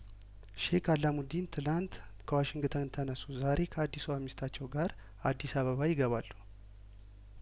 ሼክ አላሙዲን ትላንት ከዋሽንግተን ተነሱ ዛሬ ከአዲሷ ሚስታቸው ጋር አዲስ አበባ ይገባሉ